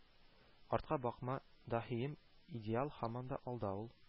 Артка бакма, даһием, идеал һаман да алда ул;